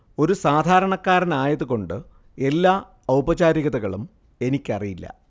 ഒരു സാധാരണക്കാരനായത് കൊണ്ട് എല്ലാ ഔപചാരികതകളും എനിക്കറിയില്ല